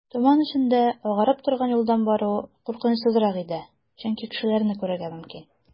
Томан эчендә агарып торган юлдан бару куркынычсызрак иде, чөнки кешеләрне күрергә мөмкин.